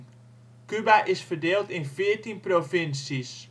Cuba is verdeeld in veertien provincies